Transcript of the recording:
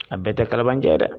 A bɛɛ tɛ kalabanciya dɛ !